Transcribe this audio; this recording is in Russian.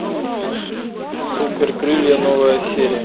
супер крылья новая серия